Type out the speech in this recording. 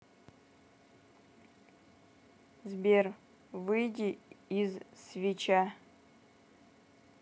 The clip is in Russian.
сбер выйди из свеча